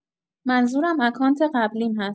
منظورم اکانت قبلیم هست.